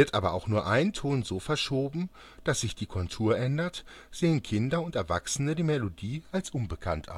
aber auch nur ein Ton so verschoben, dass sich die Kontur ändert, sehen Kinder und Erwachsene die Melodie als unbekannt